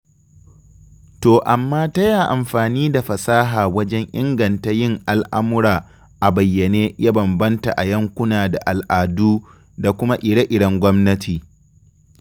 To amma ta yaya amfani da fasaha wajen inganta yin al'amura a bayyane ya bambanta a yankuna da al'adu da kuma ire-iren gwamnati?